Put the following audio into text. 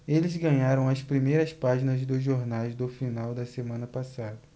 eles ganharam as primeiras páginas dos jornais do final da semana passada